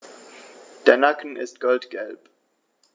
Der Nacken ist goldgelb.